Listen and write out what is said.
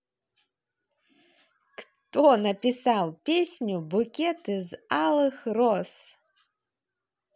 кто написал песню букет из алых роз